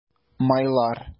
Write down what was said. Майлар